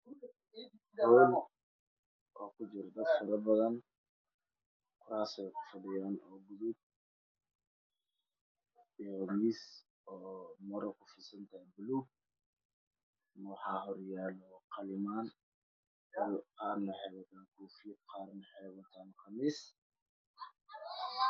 Haan oo ku jirto dad fara badan